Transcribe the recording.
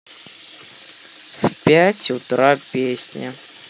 в пять утра песня